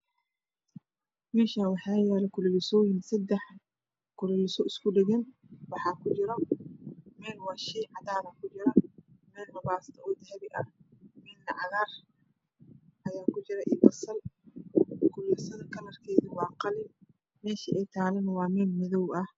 Meeshaan waxaa yaalo kululeysooyin sadex kululaysooyin usku dhagan waxa ku jiro meel waa shay cadaan ah ku jiro meelna baasto oo dahabi ah meelna cagaar ayaa ku jiro iyo basal kululaysada kalarkeeda waa qalin meesha ay taalana waa meel madow ah